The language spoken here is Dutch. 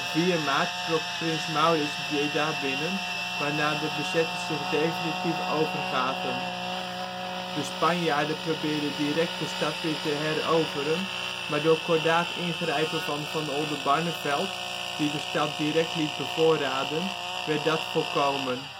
4 maart trok prins Maurits Breda binnen, waarna de bezetters zich definitief overgaven. De Spanjaarden probeerden direct de stad weer te heroveren, maar door kordaat ingrijpen van Van Oldenbarnevelt, die de stad direct liet bevoorraden, werd dat voorkomen